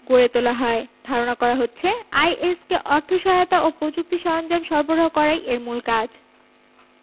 গড়ে তোলা হয় ধারণা করা হচ্ছে আইএস কে অর্থ সহায়তা ও প্রযুক্তি সরঞ্জাম সরবরাহ করাই এর মূল কাজ